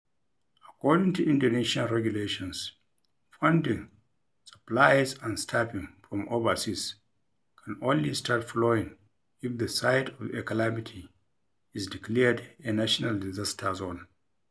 According to Indonesian regulations, funding, supplies and staffing from overseas can only start flowing if the site of a calamity is declared a national disaster zone.